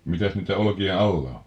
mitäs niiden olkien alla on